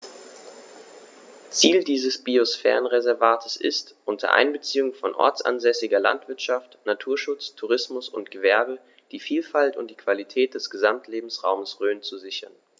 Ziel dieses Biosphärenreservates ist, unter Einbeziehung von ortsansässiger Landwirtschaft, Naturschutz, Tourismus und Gewerbe die Vielfalt und die Qualität des Gesamtlebensraumes Rhön zu sichern.